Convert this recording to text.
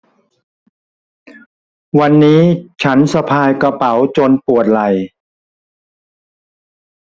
วันนี้ฉันสะพายกระเป๋าจนปวดไหล่